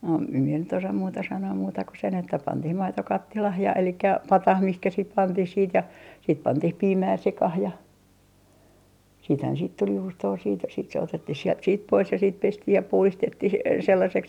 no en minä nyt osaa muuta sanoa muuta kuin sen että pantiin maito kattilaan ja eli pataan mihin sitten pantiin siitä ja siitä pantiin piimää sekaan ja siitähän siitä tuli juustoa siitä sitten se otettiin sieltä siitä pois ja sitten pestiin ja puhdistettiin sellaiseksi